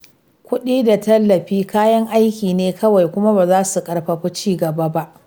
Kuɗi da tallafi kayan aiki ne kawai kuma ba za su ƙarfafi ci-gaba ba.